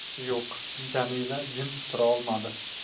yo'q jamila jim turolmadi